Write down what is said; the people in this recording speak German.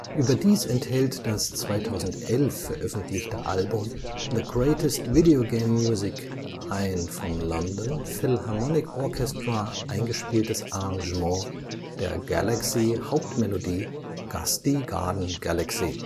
Überdies enthält das 2011 veröffentlichte Album The Greatest Video Game Music ein vom London Philharmonic Orchestra eingespieltes Arrangement der Galaxy-Hauptmelodie Gusty Garden Galaxy